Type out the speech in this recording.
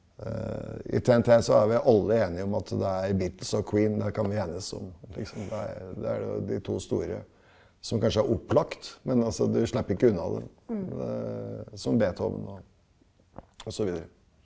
i TNT så er vi alle enige om at det er Beatles og Queen, det kan vi enes om ikke sant, det er det er jo de to store som kanskje er opplagt, men altså du slipper ikke unna dem som Beethoven og og så videre.